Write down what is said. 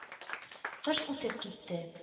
Кыш үтеп китте.